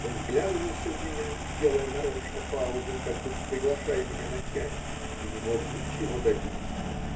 он вглядывался в меня, делая нарочно паузы, как бы приглашая меня начать, и не мог ничего добиться.